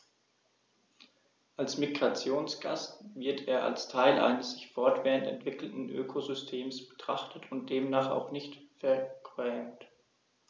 Als Migrationsgast wird er als Teil eines sich fortwährend entwickelnden Ökosystems betrachtet und demnach auch nicht vergrämt.